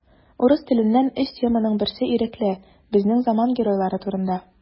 Урыс теленнән өч теманың берсе ирекле: безнең заман геройлары турында.